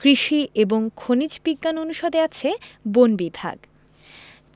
কৃষি এবং খনিজ বিজ্ঞান অনুষদে আছে বন বিভাগ